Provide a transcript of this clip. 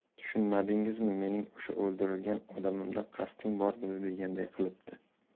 tushunmadingizmi mening o'sha o'ldirilgan odamimda qasding bormidi deganday qilibdi